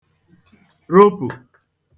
ropụ̀